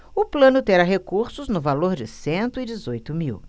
o plano terá recursos no valor de cento e dezoito mil